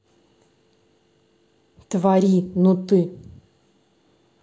твори ну ты